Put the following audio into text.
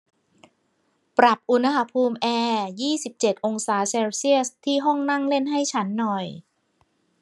ปรับอุณหภูมิแอร์ยี่สิบเจ็ดองศาเซลเซียสที่ห้องนั่งเล่นให้ฉันหน่อย